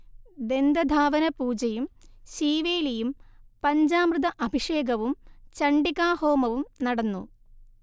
ദന്തധാവനപൂജയും ശീവേലിയും പഞ്ചാമൃത അഭിഷേകവും ചണ്ഡികാഹോമവും നടന്നു